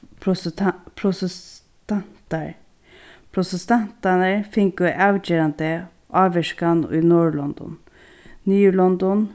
fingu avgerandi ávirkan í norðurlondum niðurlondum